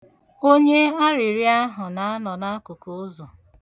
Onye arịrịọ ahụ na-anọ n'akụkụ ụzọ.